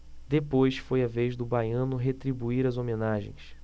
depois foi a vez do baiano retribuir as homenagens